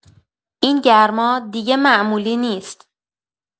این گرما دیگه معمولی نیست.